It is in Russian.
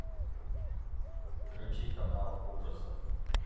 включи канал ужасов